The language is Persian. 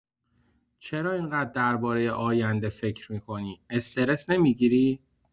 چرا اینقدر درباره آینده فکر می‌کنی، استرس نمی‌گیری؟